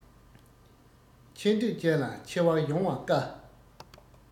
ཆེ འདོད ཅན ལ ཆེ བ ཡོང བ དཀའ